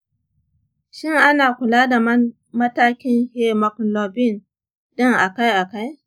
shin ana kula da matakin haemoglobin ɗin akai akai?